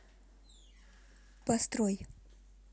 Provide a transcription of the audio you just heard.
построй